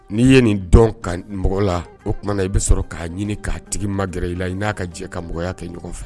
N'i ye nin dɔn ka mɔgɔ la o tumana na i bɛ sɔrɔ k'a ɲini ka' tigi ma gɛrɛ i la i n'a ka jɛ ka mɔgɔya kɛ ɲɔgɔn fɛ.